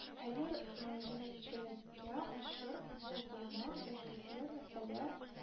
Хәер,э җәмәтьчелеккә ачыр бул-булма – бәхисле мәсьәлә